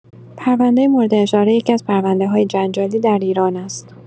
پرونده مورد اشاره، یکی‌از پرونده‌‌های جنجالی در ایران است.